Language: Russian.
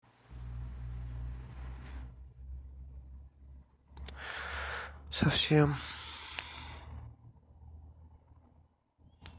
совсем